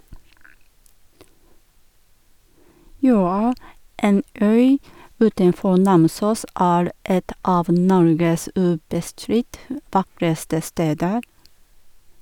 Jøa, en øy utenfor Namsos, er et av Norges ubestridt vakreste steder.